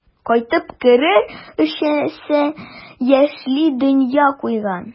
Кайтып керер өчесе яшьли дөнья куйган.